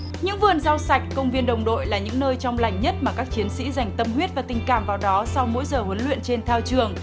những vườn rau sạch công viên đồng đội là những nơi trong lành nhất mà các chiến sĩ dành tâm huyết và tình cảm vào đó sau mỗi giờ huấn luyện trên thao trường